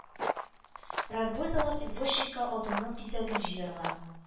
Разбой салып, извозчикка атының тизәген җыярга,